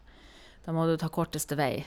Da må du ta korteste vei.